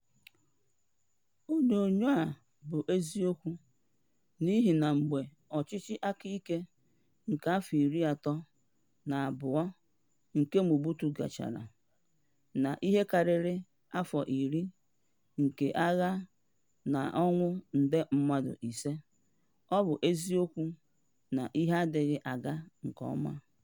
Onyoonyoo a bụ eziokwu n'ihi na mgbe ọchịchị aka ike nke afọ iri atọ na abụọ nke Mobutu gachara, na ihe karịrị afọ iri nke agha na ọnwụ nde mmadụ ise, ọ bụ eziokwu ikwu na ihe adịghị aga nke ọma.